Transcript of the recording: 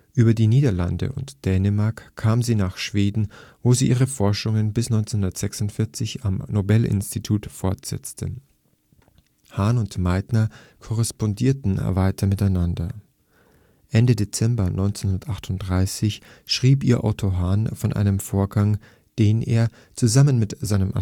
Über die Niederlande und Dänemark kam sie nach Schweden, wo sie ihre Forschungen bis 1946 am Nobel-Institut fortsetzte. Hahn und Meitner korrespondierten weiter miteinander. Ende Dezember 1938 schrieb ihr Otto Hahn von einem Vorgang, den er, zusammen mit seinem